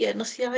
Ie, nos Iau.